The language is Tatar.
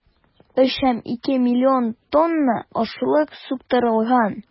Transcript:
3,2 млн тонна ашлык суктырылган.